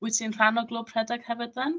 Wyt ti'n rhan o Glwb Rhedeg hefyd dden?